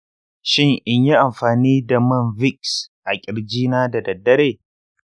shin in yi anfani da man vicks a kirjina da daddare?